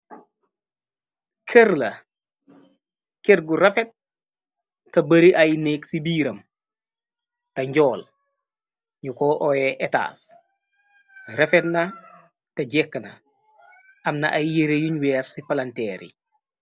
Kër la kërgu rafet te bari ay néeg ci biiram té njool ñu ko oyé etas refet na te jekkna amna ay yere yuñ weer ci palanteer yi.